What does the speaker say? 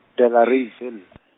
Delareyville.